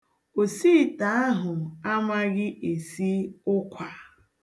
Osiite ahụ amaghị esi ụkwa.